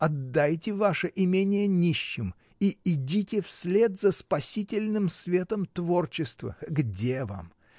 Отдайте ваше имение нищим и идите вслед за спасительным светом творчества. Где вам!